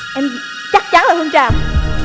em chắc chắn là hương tràm